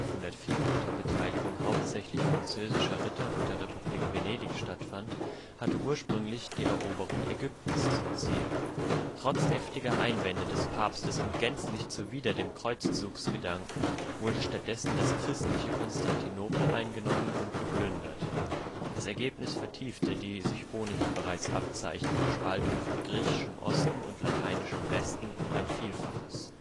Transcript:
1204 unter Beteiligung hauptsächlich französischer Ritter und der Republik Venedig stattfand, hatte ursprünglich die Eroberung Ägyptens zum Ziel. Trotz heftiger Einwände des Papstes und gänzlich zuwider dem Kreuzzugsgedanken, wurde stattdessen das christliche Konstantinopel eingenommen und geplündert. Das Ereignis vertiefte die sich ohnehin bereits abzeichnende Spaltung von griechischem Osten und lateinischem Westen um ein Vielfaches